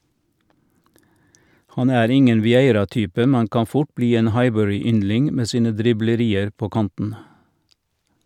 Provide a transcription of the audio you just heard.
Han er ingen Vieira-type, men kan fort bli en Highbury-yndling med sine driblerier på kanten.